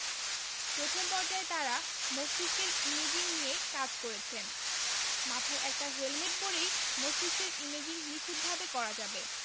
প্রথম পর্যায়ে তারা মস্তিষ্কের ইমেজিং নিয়ে কাজ করেছেন মাথায় একটা হেলমেট পরেই মস্তিষ্কের ইমেজিং নিখুঁতভাবে করা যাবে